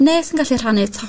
ne' sy'n gallu rhannu